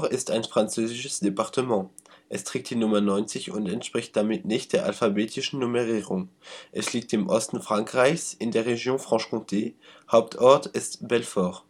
ist ein französisches Département. Es trägt die Nr. 90 und entspricht damit nicht der alphabetischen Nummerierung. Es liegt im Osten Frankreichs in der Region Franche-Comté. Hauptort ist Belfort